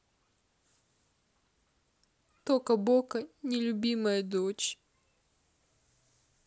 тока бока нелюбимая дочь